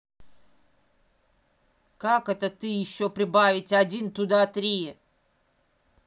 как это ты еще прибавить один туда три